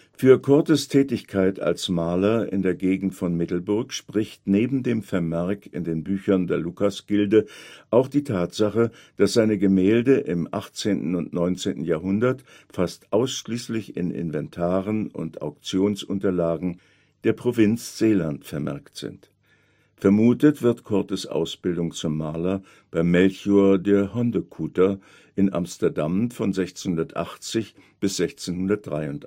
Für Coortes Tätigkeit als Maler in der Gegend von Middelburg spricht neben dem Vermerk in den Büchern der Lukasgilde auch die Tatsache, dass seine Gemälde im 18. und 19. Jahrhundert fast ausschließlich in Inventaren und Auktionsunterlagen der Provinz Zeeland vermerkt sind. Vermutet wird Coortes Ausbildung zum Maler bei Melchior de Hondecoeter in Amsterdam von 1680 bis 1683